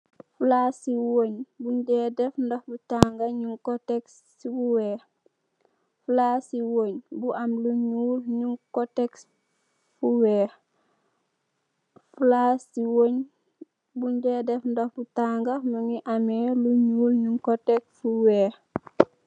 Fulaasi weñ buñ dey def dox bu tanga ñing ko tek fu wèèx. Fulassi weñ bu am lu ñuul ñing ko tek fu wèèx.